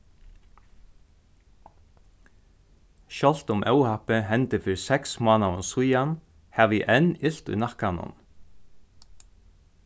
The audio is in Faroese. sjálvt um óhappið hendi fyri seks mánaðum síðan havi eg enn ilt í nakkanum